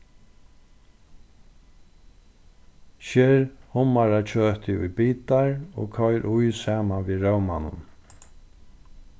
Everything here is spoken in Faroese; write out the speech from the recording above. sker hummarakjøtið í bitar og koyr í saman við rómanum